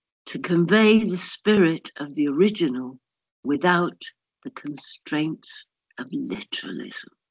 To convey the spirit of the original without the constraints of literalism.